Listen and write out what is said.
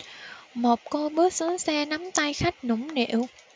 một cô bước xuống xe nắm tay khách nũng nịu